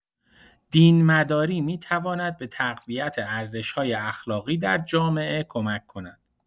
دین‌مداری می‌تواند به تقویت ارزش‌های اخلاقی در جامعه کمک کند.